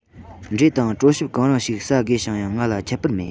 འབྲས དང གྲོ ཞིབ གང རུང ཞིག ཟ དགོས བྱུང ཡང ང ལ ཁྱད པར མེད